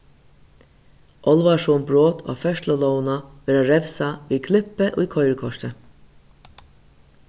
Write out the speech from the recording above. álvarsom brot á ferðslulógina verða revsað við klippi í koyrikortið